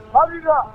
Fa bi la?